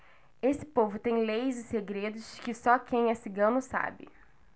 esse povo tem leis e segredos que só quem é cigano sabe